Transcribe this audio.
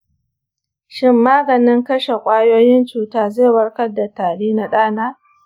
shin maganin kashe ƙwayoyin cuta zai warkar da tari na ɗana?